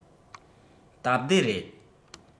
སྟབས བདེ རེད